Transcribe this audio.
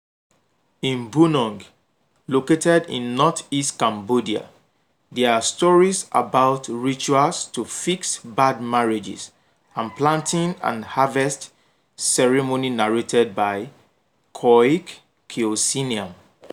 In Bunong, located in northeast Cambodia, there are stories about rituals to fix bad marriages and planting and harvest ceremonies narrated by Khoeuk Keosineam.